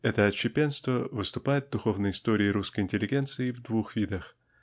Это отщепенство выступает в духовной истории русской интеллигенции в двух видах